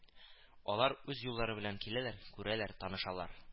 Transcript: Алар үз юллары белән киләләр, күрәләр, танышалар